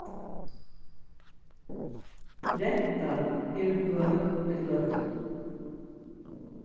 rentan er høg í løtuni